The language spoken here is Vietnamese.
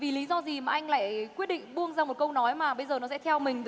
vì lý do gì mà anh lại quyết định buông ra một câu nói mà bây giờ nó sẽ theo mình